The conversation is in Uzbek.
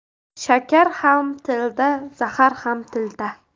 shakar ham tilda zahar ham tilda